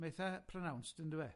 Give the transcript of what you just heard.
Ma' eitha pronounced yndyw e?